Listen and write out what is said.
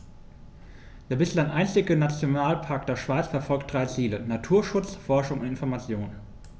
Der bislang einzige Nationalpark der Schweiz verfolgt drei Ziele: Naturschutz, Forschung und Information.